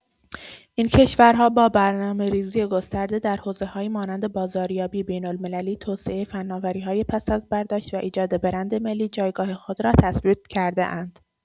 این کشورها با برنامه‌ریزی گسترده در حوزه‌هایی مانند بازاریابی بین‌المللی، توسعه فناوری‌های پس از برداشت و ایجاد برند ملی، جایگاه خود را تثبیت کرده‌اند.